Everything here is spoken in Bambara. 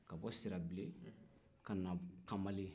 ka bɔ sirabilen kana kamalen